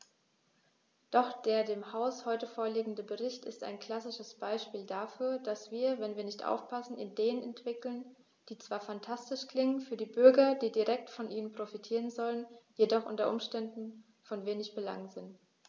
Doch der dem Haus heute vorliegende Bericht ist ein klassisches Beispiel dafür, dass wir, wenn wir nicht aufpassen, Ideen entwickeln, die zwar phantastisch klingen, für die Bürger, die direkt von ihnen profitieren sollen, jedoch u. U. von wenig Belang sind.